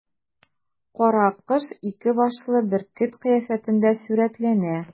Каракош ике башлы бөркет кыяфәтендә сурәтләнә.